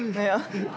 ja.